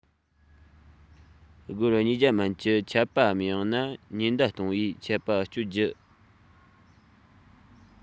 སྒོར ཉིས བརྒྱ མན གྱི ཆད པའམ ཡང ན ཉེན བརྡ གཏོང བའི ཆད པ གཅོད རྒྱུ